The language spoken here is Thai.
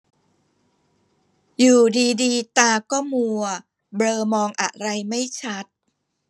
อยู่ดีดีตาก็มัวเบลอมองอะไรไม่ชัด